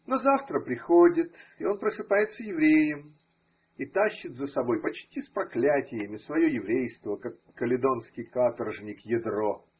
Но завтра приходит, и он просыпается евреем, и тащит за собой, почти с проклятиями, свое еврейство, как каледонский каторжник ядро.